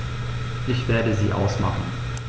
Ich werde sie ausmachen.